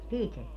pitää